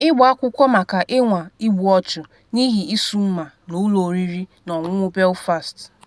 Ịgba akwụkwọ maka ịnwa igbu ọchụ n’ihi ịsụ mma n’ụlọ oriri na ọṅụṅụ Belfast.